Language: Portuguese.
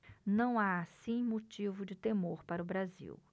não há assim motivo de temor para o brasil